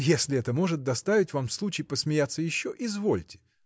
– Если это может доставить вам случай посмеяться еще – извольте!